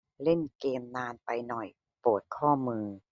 เล่นเกมส์นานไปหน่อยปวดข้อมือ